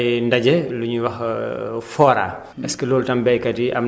léeg-léeg da ngeen di am ay ndaje lu ñuy wax FORA